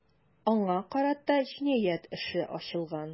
Аңа карата җинаять эше ачылган.